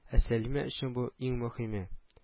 Ә Сәлимә өчен бу — иң мөһиме